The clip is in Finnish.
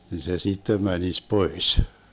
niin se sitten menisi pois